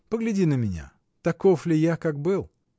Погляди на меня: таков ли я, как был?.